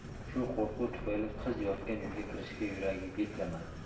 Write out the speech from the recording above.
shu qo'rquv tufayli qizi yotgan uyga kirishga yuragi betlamadi